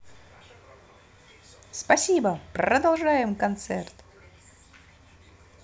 спасибо продолжаем концерт